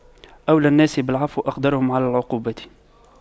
أولى الناس بالعفو أقدرهم على العقوبة